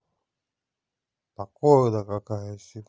погода какая сегодня